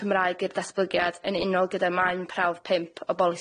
Cymraeg i'r datblygiad yn unol gyda maen prawf pump o bolisi